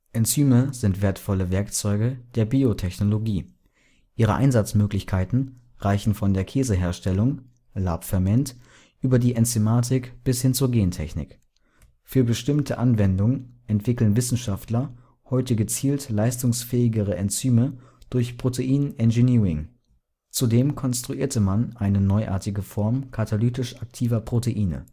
Enzyme sind wertvolle Werkzeuge der Biotechnologie. Ihre Einsatzmöglichkeiten reichen von der Käseherstellung (Labferment) über die Enzymatik bis hin zur Gentechnik. Für bestimmte Anwendungen entwickeln Wissenschaftler heute gezielt leistungsfähigere Enzyme durch Protein-Engineering. Zudem konstruierte man eine neuartige Form katalytisch aktiver Proteine